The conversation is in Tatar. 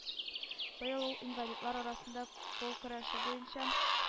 Быел ул инвалидлар арасында кул көрәше буенча